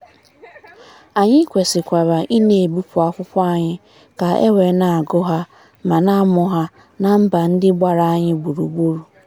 Anyị kwesịkwara ịna-ebupụ akwụkwọ anyị ka e wee na-agụ ha ma na-amụ ha ná mba ndị gbara anyị gburugburu.